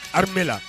Habe